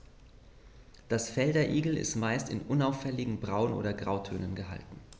Das Fell der Igel ist meist in unauffälligen Braun- oder Grautönen gehalten.